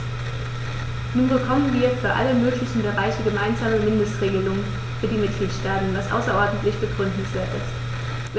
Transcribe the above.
Nun bekommen wir für alle möglichen Bereiche gemeinsame Mindestregelungen für die Mitgliedstaaten, was außerordentlich begrüßenswert ist.